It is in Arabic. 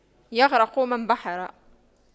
يَغْرِفُ من بحر